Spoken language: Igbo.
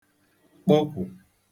kpọkwù